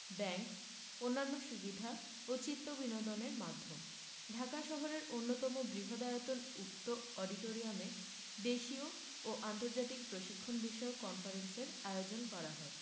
bank অন্যান্য সুবিধা ও চিত্তবিনোদনের মাধ্যম ঢাকা শহরের অন্যতম বৃহদায়তন উক্ত অডিটোরিয়ামে দেশীয় ও আন্তর্জাতিক প্রশিক্ষণ বিষয়ক কনফারেন্সের আয়োজন করা হয়